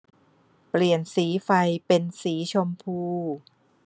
เปลี่ยนสีไฟเป็นสีชมพู